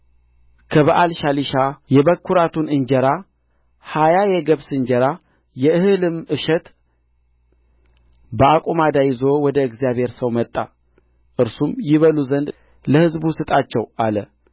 ይበሉም ዘንድ አልቻሉም እርሱም ዱቄት አምጡልኝ አለ በምንቸቱም ውስጥ ጥሎ ይበሉ ዘንድ ለሕዝቡ ቅዱ አለ በምንቸቱም ውስጥ ክፉ ነገር አልተገኘም አንድ ሰውም